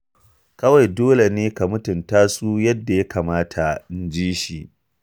Kawai dole ne ka mutunta su yadda ya kamata,” inji shi.